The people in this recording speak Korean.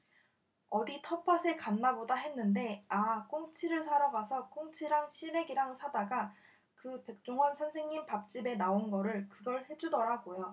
어디 텃밭에 갔나보다 했는데 아 꽁치를 사러 가서 꽁치랑 시래기랑 사다가 그 백종원 선생님 밥집에 나온 거를 그걸 해주더라고요